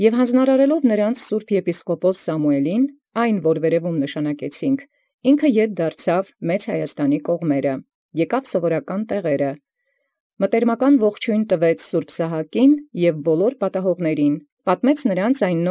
Եւ յանձն արարեալ զնոսա սրբոյ եպիսկոպոսին Սամուէլի, այնմ՝ զոր ի վերոյ նշանակեցաք, ինքն դառնայր ի կողմանս Հայոց Մեծաց. և եկեալ ի սովորական տեղիսն, զընդելական ողջոյնն սրբոյն Սահակայ և ամենայն պատահելոցն տուեալ, պատմէր նոցա վասն։